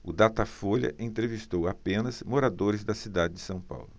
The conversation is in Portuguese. o datafolha entrevistou apenas moradores da cidade de são paulo